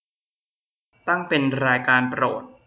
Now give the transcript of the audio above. ตั้งเป็นรายการโปรด